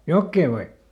jokea vai